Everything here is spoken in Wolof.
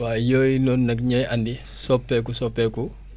waaw yooyu noonu nag ñooy andi soppeeku soppeeku